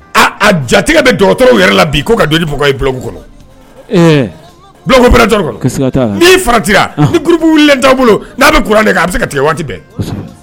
Jatigitigɛ bɛ dɔgɔtɔrɔw yɛrɛ la bi kaug kɔnɔ n' farabu boloa bɛ a bɛ se ka tigɛ waati bɛɛ